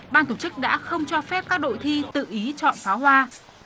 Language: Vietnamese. ban tổ chức đã không cho phép các đội thi tự ý chọn pháo hoa